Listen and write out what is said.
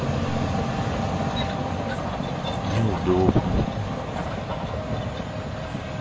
неудобно